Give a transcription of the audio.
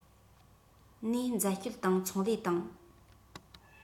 ནས འཛད སྤྱོད དང ཚོང ལས དང